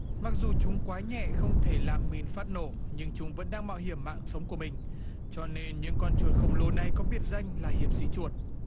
mặc dù chúng quá nhẹ không thể làm mìn phát nổ nhưng chúng vẫn đang mạo hiểm mạng sống của mình cho nên những con chuột khổng lồ này có biệt danh là hiệp sĩ chuột